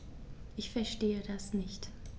Ich verstehe das nicht.